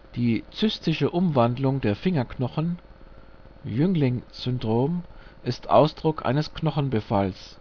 Die zystische Umwandlung der Fingerknochen (Jüngling-Syndrom) ist Ausdruck eines Knochenbefalls